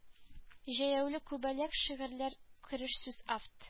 Җәяүле күбәләк шигырьләр кереш сүз авт